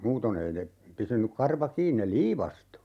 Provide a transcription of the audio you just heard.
muuten ei ne pysynyt karva kiinni ne liivastui